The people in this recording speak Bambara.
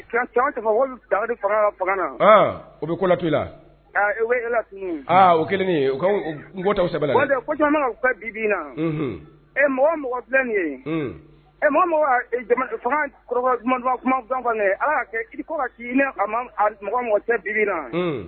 Caman ta faga fanga na u bɛ kola to i la u e o kɛlentɔ sɛbɛnbɛ ko ka bibiina ɛ mɔgɔ mɔgɔ nin ye e kuma ki k'i mɔgɔ mɔgɔ tɛ bibiina